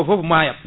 foof maaya